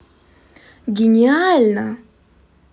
гениально